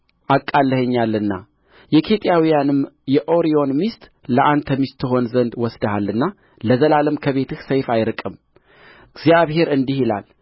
አቃልለኸኛልና የኬጢያዊውንም የኦርዮን ሚስት ለአንተ ሚስት ትሆን ዘንድ ወስደሃልና ለዘላለም ከቤትህ ሰይፍ አይርቅም እግዚአብሔር እንዲህ ይላል